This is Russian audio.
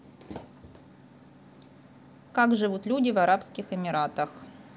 как живут люди в арабских эмиратах